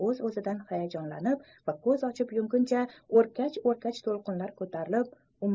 o'z o'zidan hayajonlanib va ko'z ochib yumguncha o'rkach o'rkach to'lqinlar ko'tarib